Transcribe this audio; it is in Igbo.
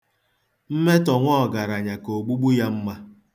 Mmetọ nwa ọgaranya ka ogbugbu ya mma.